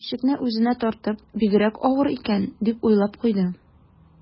Ишекне үзенә тартып: «Бигрәк авыр икән...», - дип уйлап куйды